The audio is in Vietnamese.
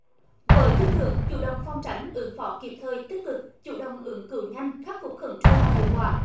với tư tưởng chủ động phòng tránh ứng phó kịp thời tích cực chủ động ứng cử nhanh khắc phục khẩn trương và hiệu quả